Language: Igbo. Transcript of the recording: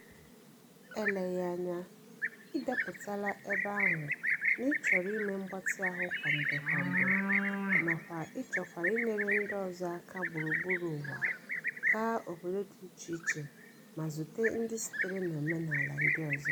Eleghị anya, i depụtala ebe ahụ na ị chọrọ ime mgbatịahụ kwa mgbe kwa mgbe, nakwa ị chọkwara inyere ndị ọzọ aka gburugburu ụwa, gaa obodo dị icheiche ma zute ndị sitere n'omenala ndị ọzọ.